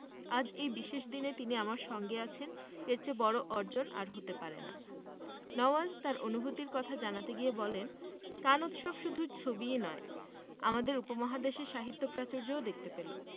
আজ এই বিশেষ দিনে তিনি আমার সঙ্গে আছেন এর চেয়ে বড় অর্জন আর হতে পারে না নওয়াজ তার অনুভূতির কথা জানাতে গিয়ে বলেন কান উৎসব শুধু ছবিই নয় আমাদের উপমহাদেশে সাহিত্যে প্রাচুর্যও দেখতে পেল